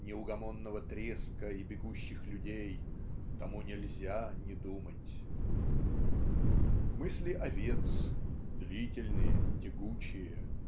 неугомонного треска и бегущих людей тому нельзя не думать". Мысли овец "длительные тягучие